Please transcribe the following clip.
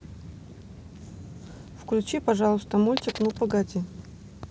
включи пожалуйста мультик ну погоди